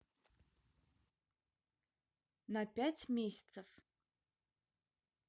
на пять месяцев